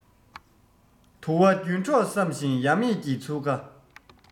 དུ བ རྒྱུན གྲོགས བསམ ཞིང ཡ མེད ཀྱི ཚུགས ཀ